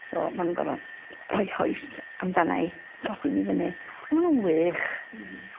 So ma' nw'n gorfo rhoi hoist amdana i i godi fi fyny. on' ma' nw'n wych. Hmm.